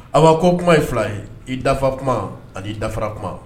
A ko kuma ye fila ye i dafa kuma anii dafara kuma